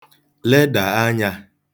ledà anyā